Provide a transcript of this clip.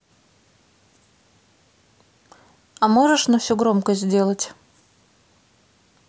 а можешь на всю громкость сделать